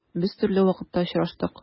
Без төрле вакытта очраштык.